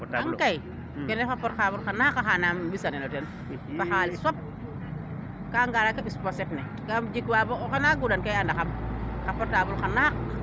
a kay kene xa portable xa naxaqqa xa i ɓisa nel o ten bagage es fop kaa ngara a ɓis pochette ne kam jikwa boo oxe na gundan kay a andaxam xa portable xa naxaq